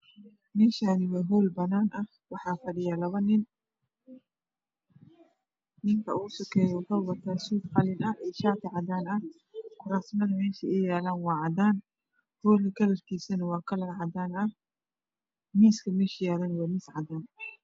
Meeshaani waa hool banaan ah waxaa fadhiya labo nin. Ninka ugu sukeeya waxuu wataa suud qalin ah iyo shaati cadaan ah, kuraasmadu meesha ay yaalaana waa cadaan, hoolka kalarkiisuna waa kalar cadaan ah, miiska meesha yaalana waa miis cadaan ah.